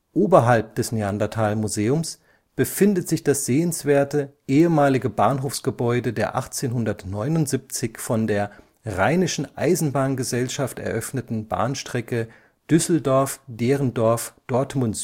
Oberhalb des Neanderthal Museums befindet sich das sehenswerte ehemalige Bahnhofsgebäude der 1879 von der Rheinischen Eisenbahn-Gesellschaft eröffneten Bahnstrecke Düsseldorf-Derendorf – Dortmund